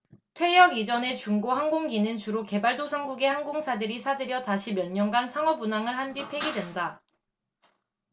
퇴역 이전의 중고 항공기는 주로 개발도상국의 항공사들이 사들여 다시 몇년간 상업운항을 한 뒤 폐기된다